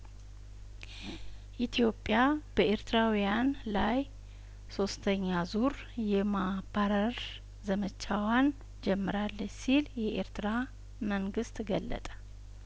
ኢትዮጵያ በኤርትራውያን ላይ ሶስተኛ ዙር የማባረር ዘመቻዋን ጀምራለች ሲል የኤርትራ መንግስት ገለጠ